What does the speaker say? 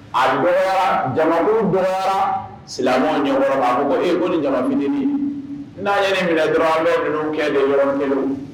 A jamabugu dɔ silamɛ ɲɛa e ko ni jaraminɛini n'a ye minɛ dɔrɔn an bɛ minnu kɛ de yɔrɔ minnu